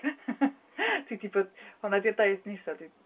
Dwi 'di bod, honna 'di'r daith nesaf dwi...